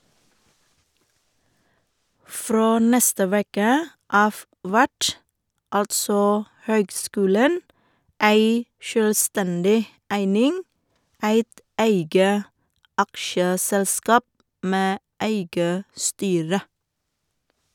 Frå neste veke av vert altså høgskulen ei sjølvstendig eining, eit eige aksjeselskap med eige styre.